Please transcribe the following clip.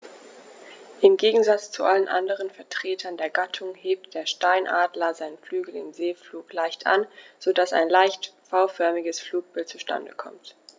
Im Gegensatz zu allen anderen Vertretern der Gattung hebt der Steinadler seine Flügel im Segelflug leicht an, so dass ein leicht V-förmiges Flugbild zustande kommt.